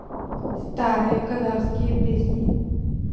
старые казахские песни